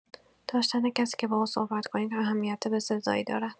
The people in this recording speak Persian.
داشتن کسی که با او صحبت کنید، اهمیت بسزایی دارد.